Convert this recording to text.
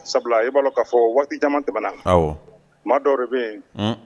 Sabula i b'alɔ k'a fɔ waati caman tɛmɛna awɔ maa dɔw de be ye uuun